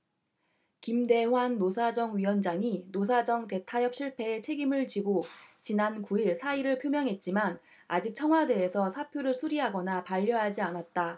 김대환 노사정위원장이 노사정 대타협 실패에 책임을 지고 지난 구 일 사의를 표명했지만 아직 청와대에서 사표를 수리하거나 반려하지 않았다